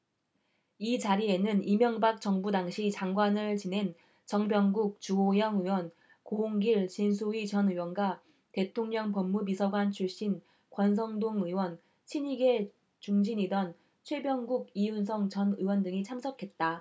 이 자리에는 이명박 정부 당시 장관을 지낸 정병국 주호영 의원 고흥길 진수희 전 의원과 대통령법무비서관 출신 권성동 의원 친이계 중진이던 최병국 이윤성 전 의원 등이 참석했다